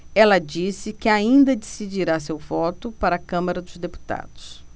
ela disse que ainda decidirá seu voto para a câmara dos deputados